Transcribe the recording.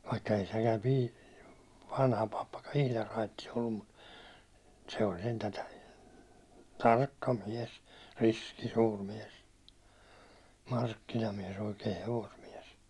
vaikka ei sekään - vanha pappakaan ihan raitis ollut mutta se oli sentään tarkka mies riski suuri mies markkinamies oikea hevosmies